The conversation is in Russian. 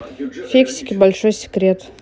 фиксики большой секрет